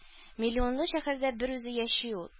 Миллионлы шәһәрдә берүзе яши ул.